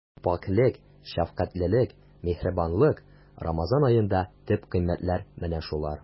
Пакьлек, шәфкатьлелек, миһербанлык— Рамазан аенда төп кыйммәтләр менә шулар.